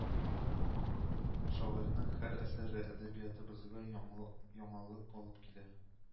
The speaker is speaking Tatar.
Шагыйрьнең һәр әсәре әдәбиятыбызга яңалык алып килә